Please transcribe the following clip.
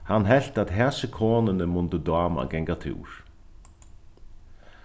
hann helt at hasi konuni mundi dáma at ganga túr